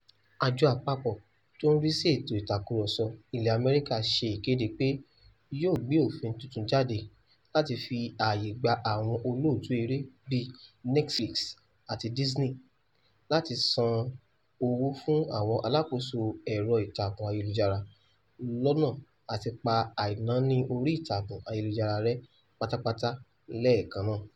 Àjọ àpapọ̀ tí ó ń rí sí ètò ìtakùrọsọ ilẹ̀ Amẹ́ríkà ṣe ìkéde pé yóò gbé òfin tuntun jáde láti fi ààyè gbà àwọn olóòtú eré, bíi Netflix àti Disney, láti San owó fún àwọn alákòóso ẹ̀rọ ìtàkùn ayélujára, lọ́nà àti pa àìnáání orí ìtàkùn ayélujára rẹ́ pátá pátá lẹ́ẹ̀kan náà.